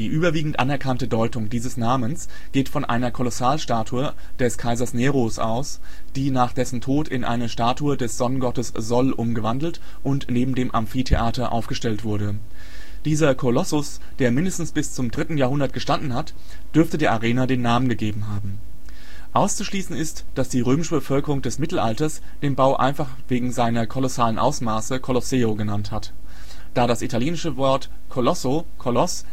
überwiegend anerkannte Deutung dieses Namens geht von einer Kolossalstatue des Kaisers Nero aus, die nach dessen Tod in eine Statue des Sonnengottes Sol umgewandelt und neben dem Amphitheater aufgestellt wurde. Dieser Colossus, der mindestens bis zum 3. Jahrhundert gestanden hat, dürfte der Arena den Namen gegeben haben. Auszuschließen ist, dass die römische Bevölkerung des Mittelalters den Bau einfach wegen seiner kolossalen Ausmaße Colosseo genannt hat, da das italienische Wort colosso „ Koloss